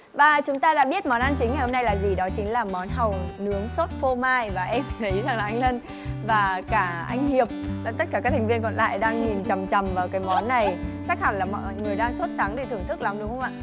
và chúng ta đã biết món ăn chính ngày hôm nay là gì đó chính là món hàu nướng sốt phô mai và em thấy rằng là anh lân và cả anh hiệp tất cả các thành viên còn lại đang nhìn chằm chằm vào cái món này chắc hẳn là mọi người đang sốt sắng để thưởng thức lắm đúng không ạ